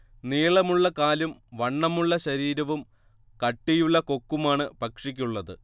നീളമുള്ള കാലും വണ്ണമുള്ള ശരീരവും കട്ടിയുള്ള കൊക്കുമാണ് പക്ഷിക്കുള്ളത്